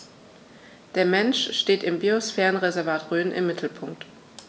Der Mensch steht im Biosphärenreservat Rhön im Mittelpunkt.